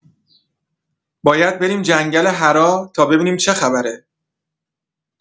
باید بریم جنگل حرا تا ببینیم چه خبره!